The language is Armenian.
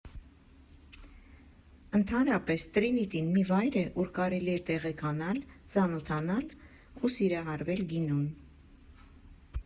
Ընդհանրապես, «Տրինիտին» մի վայր է, ուր կարելի է տեղեկանալ, ծանոթանալ ու սիրահարվել գինուն։